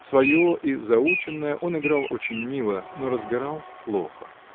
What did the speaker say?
Свое и заученное он играл очень мило, но разбирал плохо.